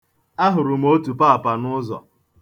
Ahụrụ m otu paapa n'ụzọ.